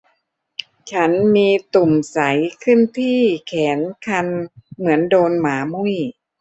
ฉันมีตุ่มใสขึ้นที่แขนคันเหมือนโดนหมามุ่ย